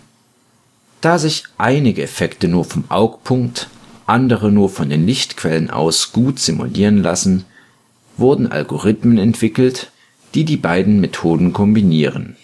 Da sich einige Effekte nur vom Augpunkt, andere nur von den Lichtquellen aus gut simulieren lassen, wurden Algorithmen entwickelt, die beide Methoden kombinieren